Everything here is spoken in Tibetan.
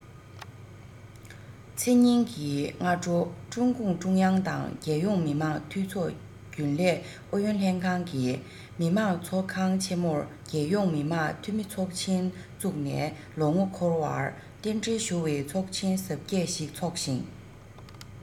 ཚེས ཉིན གྱི སྔ དྲོ ཀྲུང གུང ཀྲུང དབྱང དང རྒྱལ ཡོངས མི དམངས འཐུས ཚོགས རྒྱུན ལས ཨུ ཡོན ལྷན ཁང གིས མི དམངས ཚོགས ཁང ཆེ མོར རྒྱལ ཡོངས མི དམངས འཐུས མི ཚོགས ཆེན བཙུགས ནས ལོ ངོ འཁོར བར རྟེན འབྲེལ ཞུ བའི ཚོགས ཆེན གཟབ རྒྱས ཤིག འཚོགས ཤིང